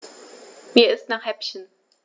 Mir ist nach Häppchen.